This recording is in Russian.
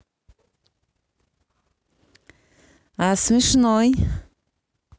а смешной